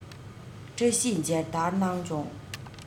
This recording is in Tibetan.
བཀྲ ཤིས མཇལ དར གནང བྱུང